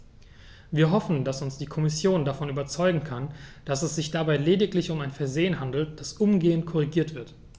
Wir hoffen, dass uns die Kommission davon überzeugen kann, dass es sich dabei lediglich um ein Versehen handelt, das umgehend korrigiert wird.